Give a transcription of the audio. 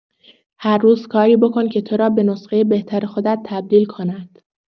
هر روز کاری بکن که تو را به نسخه بهتر خودت تبدیل کند.